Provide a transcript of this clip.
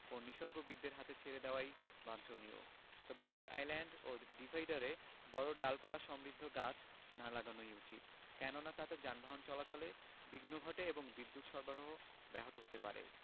ও নিসর্গবিদদের হাতে ছেড়ে দেয়াই বাঞ্ছনীয় তবে রোড আইল্যান্ড ও ডিভাইডারে বড় ডালপালাসমৃদ্ধ গাছ না লাগানোই উচিত কেননা তাতে যানবাহন চলাচলে বিঘ্ন ঘটে এবং বিদ্যুত সরবরাহ ব্যাহত হতে পারে